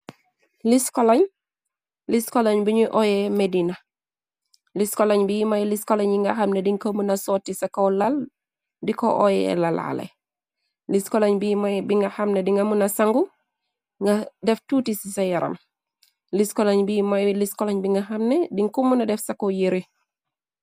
Liskolañ, liskoloñ biñu oyee medina, liskoloñ bi muy liskoloñ yi nga xamne diñ ko mëna sooti ca kow lal, di ko oye lalaale liiskoloñ bi muy bi nga xamne di nga muna sangu nga def tuuti ci sa yaram, liskoloñ bi muy liskolañ bi nga xamne din ko mu na def sa kaw yëre.